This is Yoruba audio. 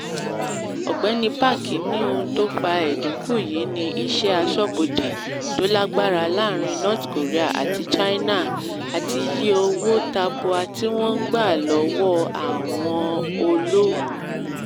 Ọ̀gbẹ́ni Park ni ohun tó fa ẹ̀dínkù yí ni iṣẹ́ aṣọ́bodè tó lágbára láàrin North Korea àti China. Àti iye owó tabua tí wọ́n ń gbà lọ́wọ́ àwọn olo.